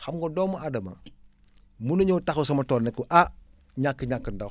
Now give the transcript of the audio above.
xam nga doomu aadama mun nañëw taxaw sama tool ne ko ah énàkk-ñàkk ndox